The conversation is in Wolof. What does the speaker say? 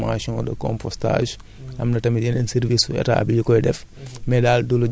parce que bu ñu ñun suñu niveau INP dañuy organiser ay formation de compostage